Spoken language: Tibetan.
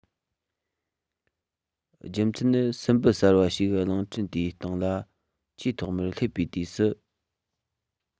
རྒྱུ མཚན ནི སྲིན འབུ གསར པ ཞིག གླིང ཕྲན དེའི སྟེང ལ ཆེས ཐོག མར སླེབས པའི དུས སུ